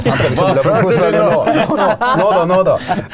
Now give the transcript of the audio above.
hva føler du nå nå da nå da?